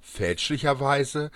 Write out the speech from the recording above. Fälschlicherweise